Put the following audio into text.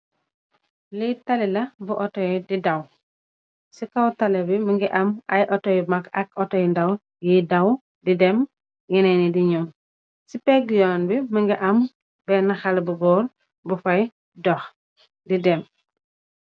Li tali la bu Otto di daw, ci kaw tali bi mugii am ay Otto yu mak ak Otto yu ndaw yi daw di dem yenen yi di ñaw. Ci pegg yon bi mugii am benna xalèh bu gór bu fay dox di dem.